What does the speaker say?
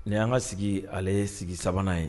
Nin yan ka sigi, ale sigi sabanan ye